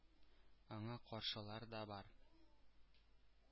Аңа каршылар да бар.